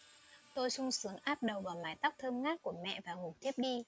tôi sung sướng áp đầu vào mái tóc thơm ngát của mẹ và ngủ thiếp đi